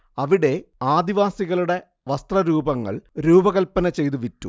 അവിടെ ആദിവാസികളുടെ വസ്ത്രരൂപങ്ങൾ രൂപകൽപ്പന ചെയ്തു വിറ്റു